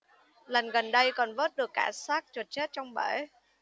lần gần đây còn vớt được cả xác chuột chết trong bể